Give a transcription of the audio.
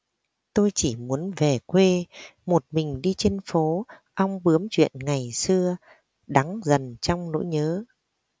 tôi chỉ muốn về quê một mình đi trên phố ong bướm chuyện ngày xưa đắng dần trong nỗi nhớ